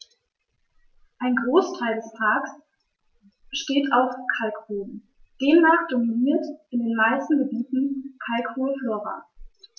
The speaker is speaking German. Ein Großteil des Parks steht auf Kalkboden, demnach dominiert in den meisten Gebieten kalkholde Flora.